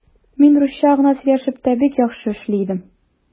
Мин русча гына сөйләшеп тә бик яхшы эшли идем.